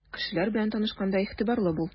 Кешеләр белән танышканда игътибарлы бул.